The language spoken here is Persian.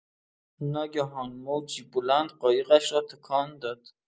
ناگهان موجی بلند قایقش را تکان داد.